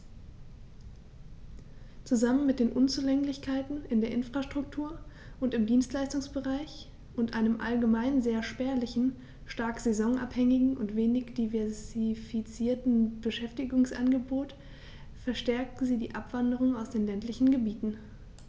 Zusammen mit den Unzulänglichkeiten in der Infrastruktur und im Dienstleistungsbereich und einem allgemein sehr spärlichen, stark saisonabhängigen und wenig diversifizierten Beschäftigungsangebot verstärken sie die Abwanderung aus den ländlichen Gebieten.